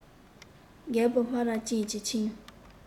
རྒད པོ སྨ ར ཅན གྱི ཁྱིམ